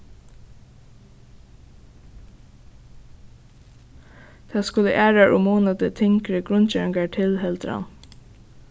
tað skulu aðrar og munandi tyngri grundgevingar til heldur hann